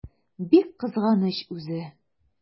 Бик кызганыч үзе!